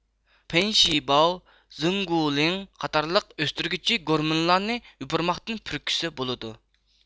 پېنشىباۋ زېڭگۇالىڭ قاتارلىق ئۆستۈرگۈچى گورمونلارنى يوپۇرماقتىن پۈركۈسە بولىدۇ